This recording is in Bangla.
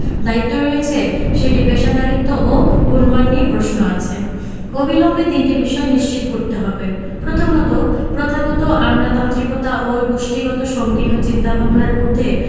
দায়িত্ব রয়েছে সেটির পেশাদারিত্ব ও গুণমান নিয়ে প্রশ্ন আছে অবিলম্বে তিনটি বিষয় নিশ্চিত করতে হবে প্রথমত প্রথাগত আমলাতান্ত্রিকতা ও গোষ্ঠীগত সংকীর্ণ চিন্তাভাবনার ঊর্ধ্বে